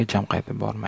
hecham qaytib bormaydi